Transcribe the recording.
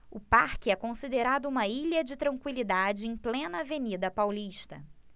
o parque é considerado uma ilha de tranquilidade em plena avenida paulista